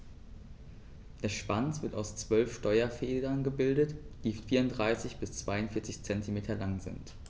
Der Schwanz wird aus 12 Steuerfedern gebildet, die 34 bis 42 cm lang sind.